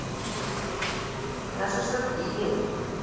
на шашлыки едем